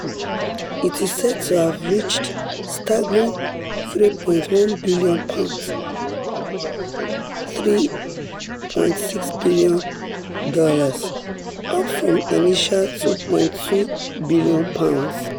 It is said to have reached staggering €3.1billion ($3.6bn) - up from initial €2.2 billion.